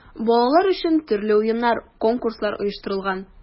Балалар өчен төрле уеннар, конкурслар оештырылган.